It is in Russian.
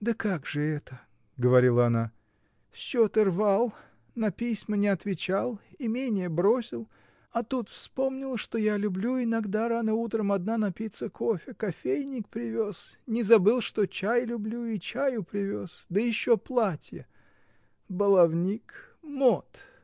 — Да как же это, — говорила она, — счеты рвал, на письма не отвечал, имение бросил, а тут вспомнил, что я люблю иногда рано утром одна напиться кофе: кофейник привез, не забыл, что чай люблю, и чаю привез, да еще платье! Баловник, мот!